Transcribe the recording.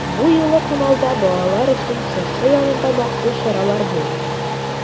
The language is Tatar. Бу юлы Камалда балалар өчен чыршы янында махсус чаралар булмады.